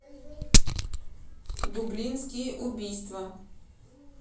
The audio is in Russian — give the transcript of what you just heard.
дублинские убийства